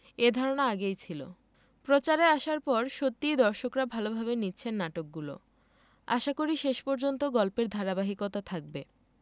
এ ধারণা আগেই ছিল প্রচারে আসার পর সত্যিই দর্শকরা ভালোভাবে নিচ্ছেন নাটকগুলো আশাকরি শেষ পর্যন্ত গল্পের ধারাবাহিকতা থাকবে